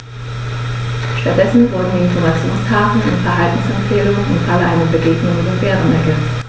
Stattdessen wurden die Informationstafeln um Verhaltensempfehlungen im Falle einer Begegnung mit dem Bären ergänzt.